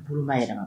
Furuu ma yɛlɛma